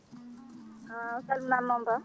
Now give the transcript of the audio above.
an a salminama noon Ba